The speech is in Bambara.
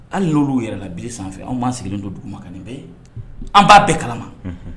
Hali nulu yɛrɛ la bi sanfɛ anw ban sigilen to dugu ma ka nin bɛɛ ye. An ba bɛɛ kalama.